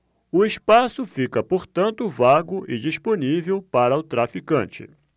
o espaço fica portanto vago e disponível para o traficante